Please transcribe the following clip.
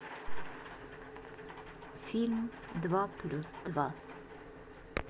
фильм два плюс два